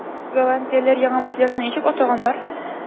Голландиялеләр яңа материкны ничек атаганнар?